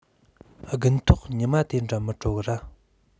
དགུན ཐོག ཉི མ དེ འདྲ མི དྲོ གི ར